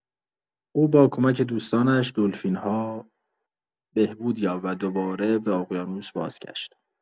او با کمک دوستانش، دلفین‌ها، بهبود یافت و دوباره به اقیانوس بازگشت.